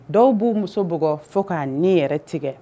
Dɔw b'u muso bugɔgɔ fo k'a ne yɛrɛ tigɛ